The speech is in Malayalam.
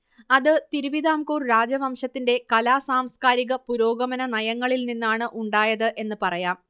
അത് തിരുവിതാംകൂർ രാജവംശത്തിന്റെ കലാ സാംസ്കാരിക പുരോഗമന നയങ്ങളിൽ നിന്നാണ്ഉണ്ടായത് എന്ന് പറയാം